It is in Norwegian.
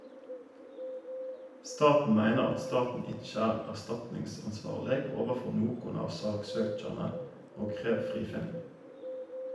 Staten meiner at staten ikkje er erstatningsansvarleg overfor nokon av saksøkjarane og krev frifinning.